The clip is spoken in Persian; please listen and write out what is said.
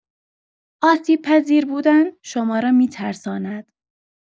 آسیب‌پذیر بودن، شما را می‌ترساند.